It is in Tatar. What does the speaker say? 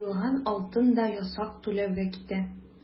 Җыелган алтын да ясак түләүгә китә.